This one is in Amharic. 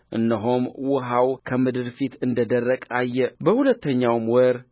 እነሆም ውኃው ከምድር ፊት እንደ ደረቀ አየ በሁለተኛውም ወር